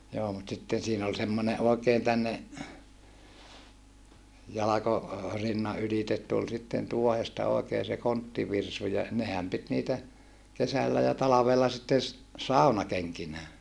joo mutta sitten siinä oli semmoinen oikein tänne - jalkorinnan ylitse tuli sitten tuohesta oikein se konttivirsu ja nehän piti niitä kesällä ja talvella sitten - saunakenkinään